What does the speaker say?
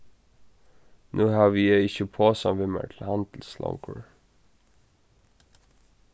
nú havi eg ikki posan við mær til handils longur